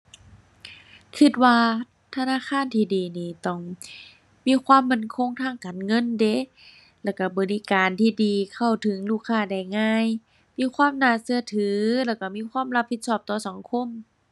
คิดว่าธนาคารที่ดีนี้ต้องมีความมั่นคงทางการเงินเดะ แล้วคิดบริการที่ดี เข้าถึงลูกค้าได้ง่าย มีความน่าคิดถือ แล้วคิดมีความรับผิดชอบต่อสังคม